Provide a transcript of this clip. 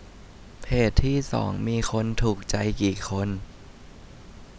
เพจที่สองมีคนถูกใจกี่คน